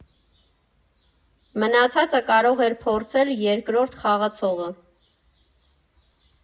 Մնացածը կարող էր փորձել երկրորդ խաղացողը։